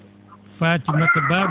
Fatiamta Ba